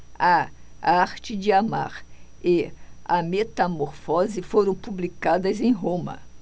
a arte de amar e a metamorfose foram publicadas em roma